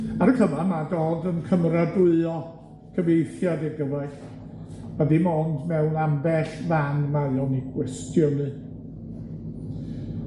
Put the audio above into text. Ar y cyfan, ma' Dodd yn cymradwyo cyfieithiad ei gyfaill, a dim ond mewn ambell fan mae o'n 'i gwestiynu.